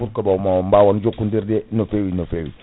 pour que bon mo on bawa jokkodirde nofewi nofewi